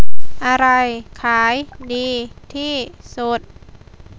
อะไรขายดีที่สุด